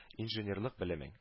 Инженерлык белемең